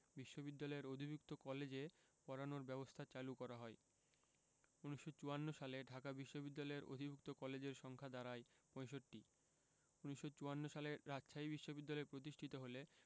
বিশ্ববিদ্যালয়ের অধিভুক্ত কলেজে পড়ানোর ব্যবস্থা চালু করা হয় ১৯৫৪ সালে ঢাকা বিশ্ববিদ্যালয়ের অধিভুক্ত কলেজের সংখ্যা দাঁড়ায় ৬৫ ১৯৫৪ সালে রাজশাহী বিশ্ববিদ্যালয় প্রতিষ্ঠিত হলে